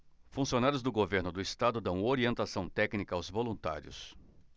funcionários do governo do estado dão orientação técnica aos voluntários